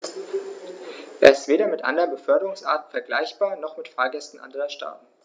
Er ist weder mit anderen Beförderungsarten vergleichbar, noch mit Fahrgästen anderer Staaten.